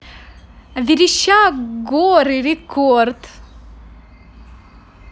верещак горы рекорд